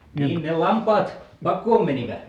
niin ne lampaat pakoon menivät